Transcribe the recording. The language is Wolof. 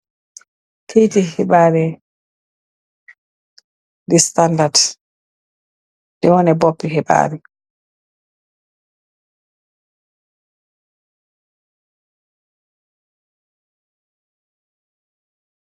Ketti hibareh , The standard di wonneh bobi hibareh .